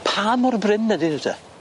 Pa mor brin ydyn nw te?